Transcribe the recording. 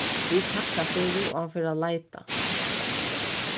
vit takka fyri og hann fer at leita